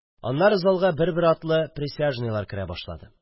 Аннары залга бер-бер артлы присяжныйлар керә башлады